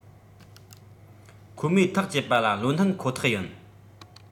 ཁོ མོས ཐག བཅད པ ལ བློ མཐུན ཁོ ཐག ཡིན